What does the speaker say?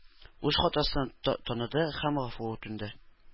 Үз хатасын таныды һәм гафу үтенде.